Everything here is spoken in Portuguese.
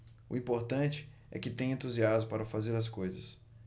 o importante é que tenho entusiasmo para fazer as coisas